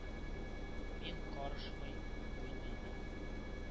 Мин карышмый уйныймын,